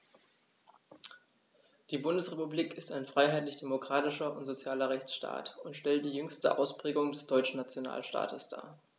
Die Bundesrepublik ist ein freiheitlich-demokratischer und sozialer Rechtsstaat und stellt die jüngste Ausprägung des deutschen Nationalstaates dar.